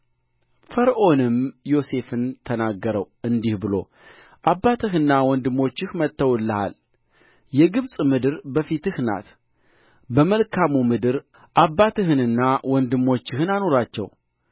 ፈርዖንም ዮሴፍን ተናገረው እንዲህ ብሎ አባትህና ወንድሞችህ መጥተውልሃል የግብፅ ምድር በፊትህ ናት በመልካሙ ምድር አባትህንና ወንድሞችህን አኑራቸው